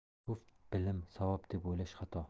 ko'p bilim savob deb o'ylash xato